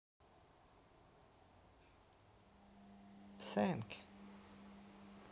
thank